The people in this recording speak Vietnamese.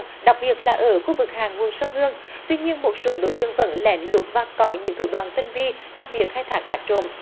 đặc biệt là ở khu vực hạ nguồn sông hương tuy nhiên một số đối tượng vẫn lén lút và có những thủ đoạn tinh vi trong việc khai thác cát trộm